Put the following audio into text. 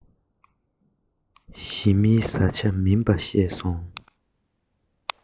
ཕྲུ གུ དེ ཚོའི ཐོད པ ནས